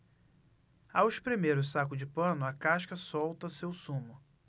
ao espremer o saco de pano a casca solta seu sumo